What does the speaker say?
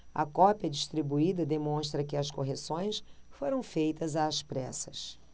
a cópia distribuída demonstra que as correções foram feitas às pressas